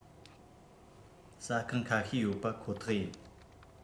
ཟ ཁང ཁ ཤས ཡོད པ ཁོ ཐག ཡིན